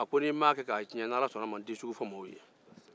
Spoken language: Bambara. a ko n'i m'a kɛ k'a tiɲɛ ni ala sɔnn'a ma n t'i sugu fo mɔgɔw ye